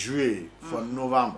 Su ye fɔ